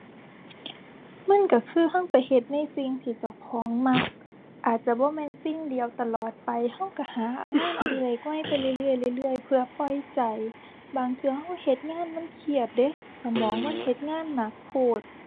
มันก็คือก็ไปเฮ็ดในสิ่งที่เจ้าของมัก อาจจะบ่แม่นสิ่งเดียวตลอดไปก็ก็หางานอดิเรกใหม่ไปเรื่อยเรื่อยเรื่อยเรื่อยเพื่อปล่อยใจ บางเทื่อก็เฮ็ดงานมันเครียดเดะ สมองมันเฮ็ดงานหนักโพด